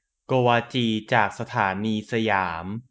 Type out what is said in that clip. โกวาจีจากสถานีสยาม